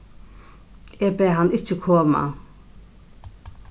eg bað hann ikki koma